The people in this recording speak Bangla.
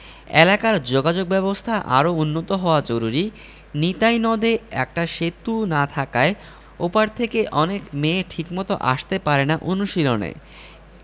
এলাকার যোগাযোগব্যবস্থা আরও উন্নত হওয়া জরুরি নিতাই নদে একটা সেতু না থাকায় ও পার থেকে অনেক মেয়ে ঠিকমতো আসতে পারে না অনুশীলনে